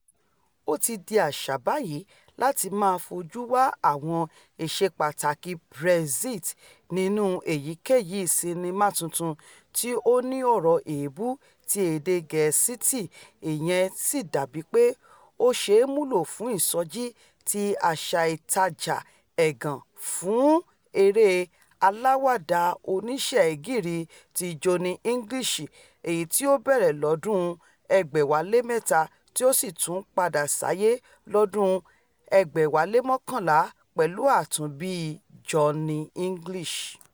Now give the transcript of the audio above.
O tí di àṣà báyìí láti máa fojú wa àwọn ìṣepàtàki Brexit nínú èyíkéyìí sinnima tuntun tí ó ní ọ̀rọ̀ èébú ti èdè Gẹ̀ẹ́sìti ìyẹn sì dàbí pé ó ṣ̵̵eé múlò fún ìsọjí ti àṣẹ-ìtaja ẹ̀gàn fún eré aláwàdà-oníṣegírí ti Johnny English - èyití o bẹ̀rẹ̀ lọ́dún 2003 ţí ó sì tún padà s'áyé lọ́dún 2011 pẹ̀lú Àtúnbi Johnny English.